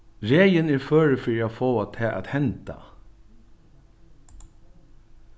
regin er førur fyri at fáa tað at henda